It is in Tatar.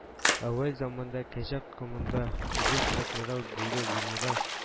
Әүвәл заманда, кәҗә команда, үгез адмирал, бүре генерал